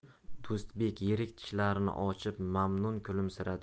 do'stbek yirik tishlarini ochib mamnun kulimsiradi